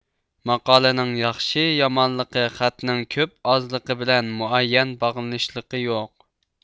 ماقالىنىڭ ياخشى يامانلىقى خەتنىڭ كۆپ ئازلىقى بىلەن مۇئەييەن باغلىنىشلىقى يوق